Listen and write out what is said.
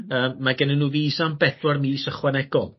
yy mae gennyn n'w visa am bedwar mis ychwanegol.